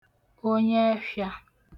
onyeẹfhịā